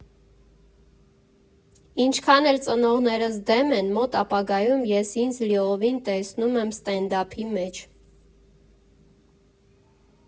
Ինչքան էլ ծնողներս դեմ են, մոտ ապագայում ես ինձ լիովին տեսնում եմ ստենդափի մեջ։